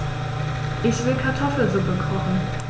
Ich will Kartoffelsuppe kochen.